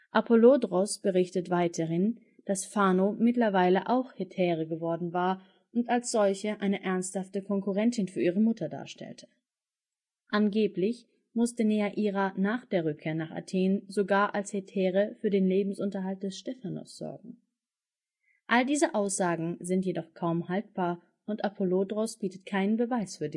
Apollodoros berichtet weiterhin, dass Phano mittlerweile auch Hetäre geworden war und als solche eine ernsthafte Konkurrentin für ihre Mutter darstellte. Angeblich musste Neaira nach der Rückkehr nach Athen sogar als Hetäre für den Lebensunterhalt des Stephanos sorgen. All diese Aussagen sind jedoch kaum haltbar, und Apollodoros bietet keine Beweise